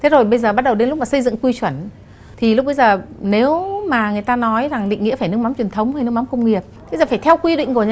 thế rồi bây giờ bắt đầu đến lúc mà xây dựng quy chuẩn thì lúc bấy giờ nếu mà người ta nói rằng định nghĩa phải nước mắm truyền thống hay nước mắm công nghiệp thế giờ phải theo quy định của